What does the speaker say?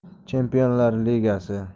chempionlar ligasi